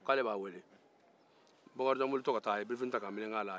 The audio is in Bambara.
bakarijan taatɔ ye birifini meleke a la